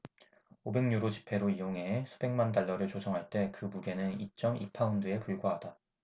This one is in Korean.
오백 유로 지폐로 이용해 수백만 달러를 조성할 때 그 무게는 이 쩜 이 파운드에 불과하다